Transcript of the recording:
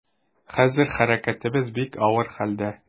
Хәзер хәрәкәтебез бик авыр хәлдә.